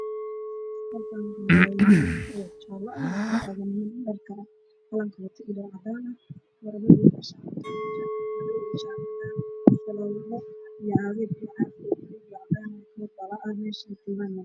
Hal kan waxaa taagan niman dhar cadaan wata